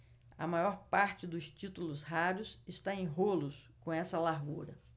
a maior parte dos títulos raros está em rolos com essa largura